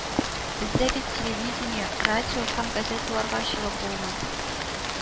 Бездә бит телевидение, радио һәм газетларга чыгып булмый